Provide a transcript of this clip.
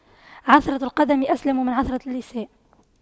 عثرة القدم أسلم من عثرة اللسان